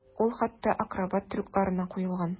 Ул хәтта акробат трюкларына куелган.